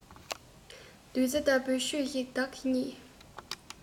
བདུད རྩི ལྟ བུའི ཆོས ཤིག བདག གིས རྙེད